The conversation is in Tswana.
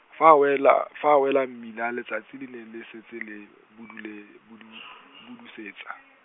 fa a wela, fa a wela mmila letsatsi le ne le setse le, budule-, budu- budusetsa .